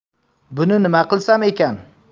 buni nima qilsam ekan